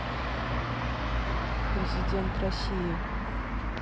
президент россии